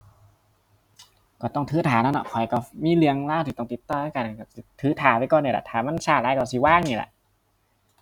ก็ต้องถือท่าตั่วเนาะ ข้อยก็มีเรื่องราวที่ต้องติดต่อคือกันก็สิถือท่าไว้ก่อนนี่ล่ะ ถ้ามันก็หลายแล้วสิว่างนี่ล่ะ